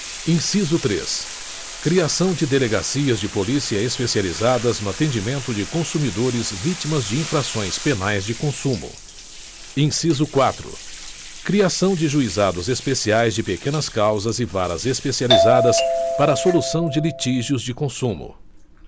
inciso três criação de delegacias de polícia especializadas no atendimento de consumidores vítimas de infrações penais de consumo inciso quatro criação de juizados especiais de pequenas causas e varas especializadas para a solução de litígios de consumo